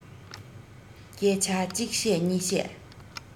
སྐད ཆ གཅིག བཤད གཉིས བཤད